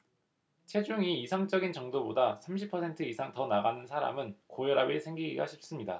체중이 이상적인 정도보다 삼십 퍼센트 이상 더 나가는 사람은 고혈압이 생기기가 쉽습니다